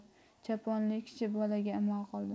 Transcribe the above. choponli kishi bolaga imo qildi